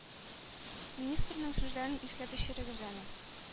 Министрның сүзләрен искә төшерегез әле: